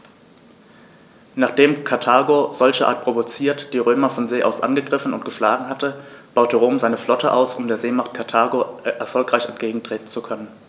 Nachdem Karthago, solcherart provoziert, die Römer von See aus angegriffen und geschlagen hatte, baute Rom seine Flotte aus, um der Seemacht Karthago erfolgreich entgegentreten zu können.